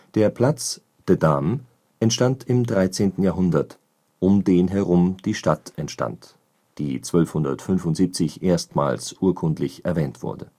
Der Platz de Dam entstand im 13. Jahrhundert, um den herum die Stadt entstand, die 1275 erstmals urkundlich erwähnt wurde